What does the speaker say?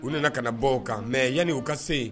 U nana ka na bɔ u kan mais yani u ka se yen